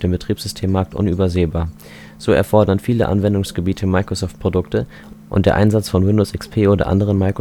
Betriebssystem-Markt unübersehbar, so erfordern viele Anwendungsgebiete Microsoft-Produkte und der Einsatz von Windows XP oder andere